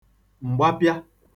m̀gbapịa